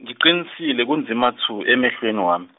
ngiqinisile kunzima tshu emehlweni wam- .